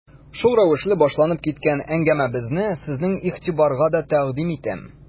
Шул рәвешле башланып киткән әңгәмәбезне сезнең игътибарга да тәкъдим итәм.